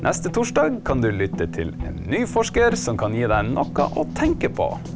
neste torsdag kan du lytte til en ny forsker som kan gi deg noe å tenke på.